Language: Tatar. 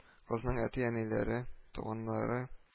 Кызның әти-әниләре, туганнары